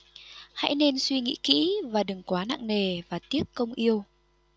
hãy nên suy nghĩ kỹ và đừng quá nặng nề và tiếc công yêu